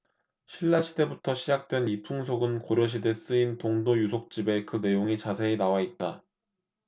신라시대부터 시작된 이 풍속은 고려시대 쓰인 동도유속집에 그 내용이 자세히 나와있다